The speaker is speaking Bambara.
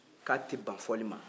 k'a tɛ ban fɔli ma